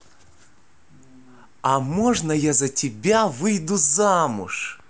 а можно я за тебя выйду замуж